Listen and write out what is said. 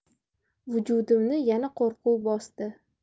vujudimni yana qo'rquv bosdi